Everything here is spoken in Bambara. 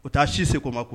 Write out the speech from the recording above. U taa si se ko ma